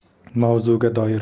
mavzuga doir